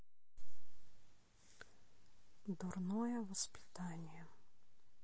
дурное воспитание